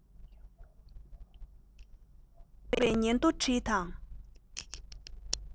གཡོག པའི ཉིན ཐོ བྲིས དང